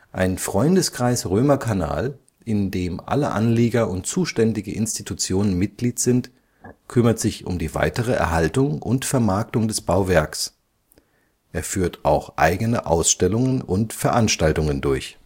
Ein Freundeskreis Römerkanal, in dem alle Anlieger und zuständige Institutionen Mitglied sind, kümmert sich um die weitere Erhaltung und Vermarktung des Bauwerks. Er führt auch eigene Ausstellungen und Veranstaltungen durch